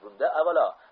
bunda avvalo